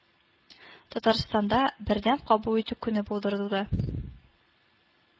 Татарстанда бердәм кабул итү көне булдырылды